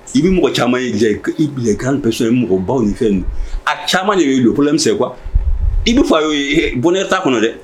I bɛ mɔgɔ caman bilakan bɛ mɔgɔ baw ni fɛn a caman de ye fɔlɔ se qu i bɛ fɔ a y' bɔnɛ ta kɔnɔ dɛ